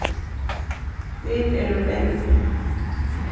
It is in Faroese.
vit eru bangnir